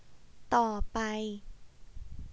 ต่อไป